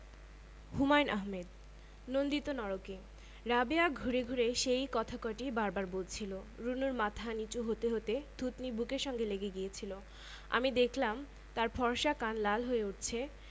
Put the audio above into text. পা নাচাতে নাচাতে সেই নোংরা কথাগুলি আগের চেয়েও উচু গলায় বললো আমি চুপ করে রইলাম বাধা পেলেই রাবেয়ার রাগ বাড়বে গলার স্বর উচু পর্দায় উঠতে থাকবে পাশের বাসার জানালা দিয়ে দুএকটি কৌতুহলী চোখ কি হচ্ছে দেখতে চেষ্টা করবে